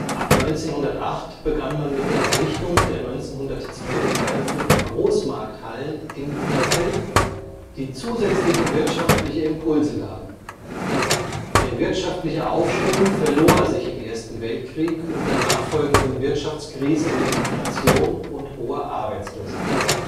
Ab 1908 begann man mit der Errichtung der 1912 eröffneten Großmarkthallen im Unterfeld, die zusätzliche wirtschaftliche Impulse gaben. Der wirtschaftliche Aufschwung verlor sich im Ersten Weltkrieg und der nachfolgenden Wirtschaftskrise mit Inflation und hoher Arbeitslosigkeit